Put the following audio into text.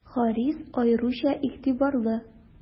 Харис аеруча игътибарлы.